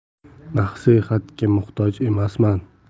nasihatga muhtoj emasman